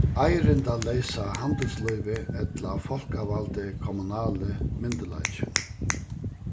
eirindaleysa handilslívið ella fólkavaldi kommunali myndugleikin